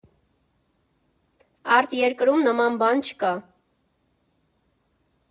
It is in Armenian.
Արտերկրում նման բան չկա։